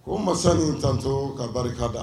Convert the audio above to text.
Ko masa in sanso ka barikada